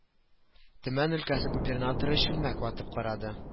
Төмән өлкәсе губернаторы чүлмәк ватып карады